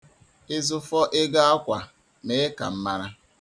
Ị zụfọ ego akwa, mee ka m mara.